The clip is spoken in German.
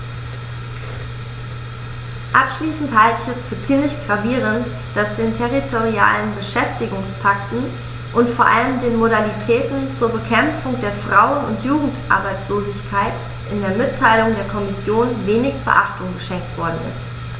Abschließend halte ich es für ziemlich gravierend, dass den territorialen Beschäftigungspakten und vor allem den Modalitäten zur Bekämpfung der Frauen- und Jugendarbeitslosigkeit in der Mitteilung der Kommission wenig Beachtung geschenkt worden ist.